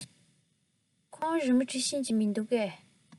ཁོས རི མོ འབྲི ཤེས ཀྱི མིན འདུག གས